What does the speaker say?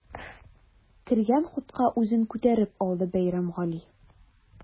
Кергән хутка үзен күтәреп алды Бәйрәмгали.